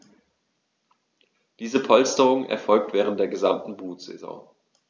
Diese Polsterung erfolgt während der gesamten Brutsaison.